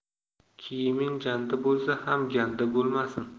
kiyiming janda bo'lsa ham ganda bo'lmasin